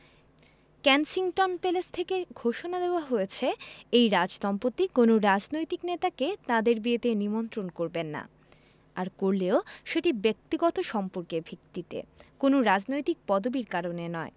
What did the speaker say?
Kensington Palace থেকে ঘোষণা দেওয়া হয়েছে এই রাজদম্পতি কোনো রাজনৈতিক নেতাকে তাঁদের বিয়েতে নিমন্ত্রণ করবেন না আর করলেও সেটি ব্যক্তিগত সম্পর্কের ভিত্তিতে কোনো রাজনৈতিক পদবির কারণে নয়